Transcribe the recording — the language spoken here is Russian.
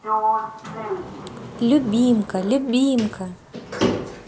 любимка любимка